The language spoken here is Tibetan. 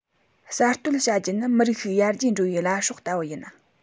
གསར གཏོད བྱ རྒྱུ ནི མི རིགས ཤིག ཡར རྒྱས འགྲོ བའི བླ སྲོག ལྟ བུ ཡིན